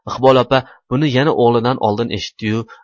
iqbol opa buni yana o'g'lidan oldin eshitdi yu